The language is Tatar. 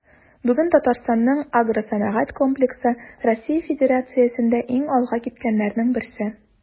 Бүген Татарстанның агросәнәгать комплексы Россия Федерациясендә иң алга киткәннәрнең берсе.